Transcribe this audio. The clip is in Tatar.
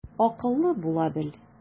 Акыллы була бел.